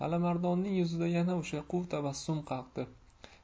alimardonning yuzida yana o'sha quv tabassum qalqdi